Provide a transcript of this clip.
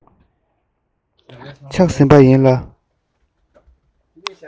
ཆགས ཟིན པ ཡིན ལ